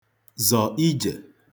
zọ̀ ijè